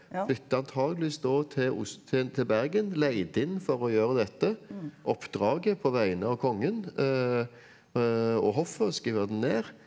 flytta antageligvis da til til til Bergen leid inn for å gjøre dette oppdraget på vegne av kongen og hoffet og skrive det ned.